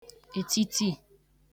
ètiti